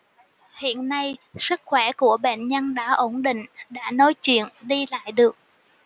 hiện nay sức khỏe của bệnh nhân đã ổn định đã nói chuyện đi lại được